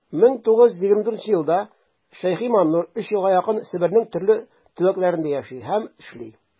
1924 елдан ш.маннур өч елга якын себернең төрле төбәкләрендә яши һәм эшли.